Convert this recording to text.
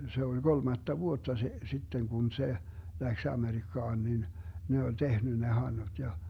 se oli kolmatta vuotta se sitten kun se lähti Amerikkaan niin ne oli tehnyt ne handut ja